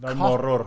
Fel morwr.